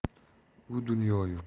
u dunyoyu bu